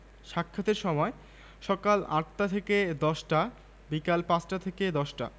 cancer gastric মুত্রপাথড়ী পিত্তপাথড়ী অম্লশূল পিত্তশূল লিউকেরিয়া প্রভৃতি রোগের চিকিৎসা অতি যত্নের সহিত করা হয় ডাঃ A B M Kabil Ahmed M A L